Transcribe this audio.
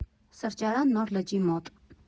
Սրճարան Նոր լճի մոտ։